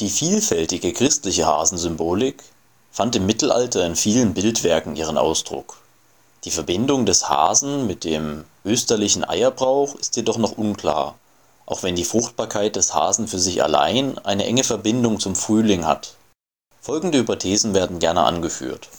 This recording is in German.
vielfältige christliche Hasensymbolik fand im Mittelalter in vielen Bildwerken ihren Ausdruck. Die Verbindung des Hasen mit dem österlichen Eierbrauch ist jedoch noch unklar, auch wenn die Fruchtbarkeit der Hasen für sich allein eine enge Verbindung zum Frühling hat. Folgende Hypothesen werden gerne angeführt